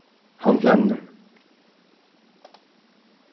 hann flennir